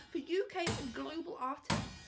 For UK and global artists.